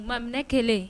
Maminɛ kelen